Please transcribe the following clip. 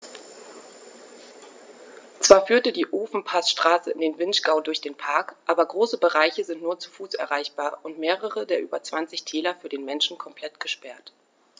Zwar führt die Ofenpassstraße in den Vinschgau durch den Park, aber große Bereiche sind nur zu Fuß erreichbar und mehrere der über 20 Täler für den Menschen komplett gesperrt.